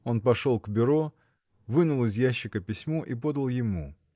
— Он пошел к бюро, вынул из ящика письмо и подал ему.